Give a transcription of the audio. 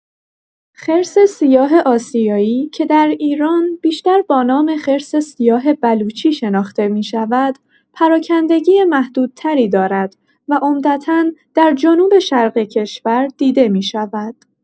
خرس سیاه آسیایی که در ایران بیشتر با نام خرس سیاه بلوچی شناخته می‌شود، پراکندگی محدودتری دارد و عمدتا در جنوب‌شرق کشور دیده می‌شود.